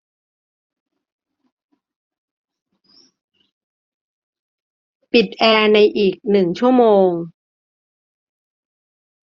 ปิดแอร์ในอีกหนึ่งชั่วโมง